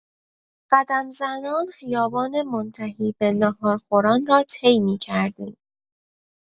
قدم‌زنان خیابان منتهی به ناهارخوران را طی می‌کردیم.